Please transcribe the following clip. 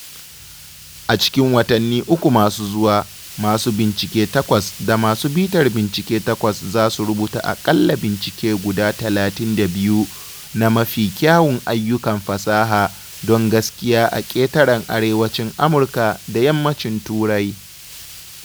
A cikin watanni uku masu zuwa, masu bincike takwas da masu bitar bincike takwas za su rubuta aƙalla bincike guda 32 na mafi kyawun ayyukan fasaha don gaskiya a ƙetaren Arewacin Amurka da Yammacin Turai.